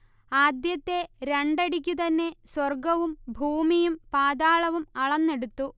ആദ്യത്തെ രണ്ടടിക്കു തന്നെ സ്വർഗ്ഗവും ഭൂമിയും പാതാളവും അളന്നെടുത്തു